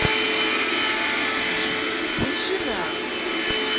джой рассмеши нас